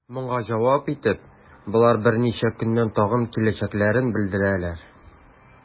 Моңа җавап итеп, болар берничә көннән тагын киләчәкләрен белдерделәр.